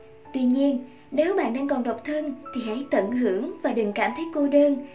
tuy nhiên nếu bạn đang còn độc thân thì hãy tận hưởng và đừng cảm thấy cô đơn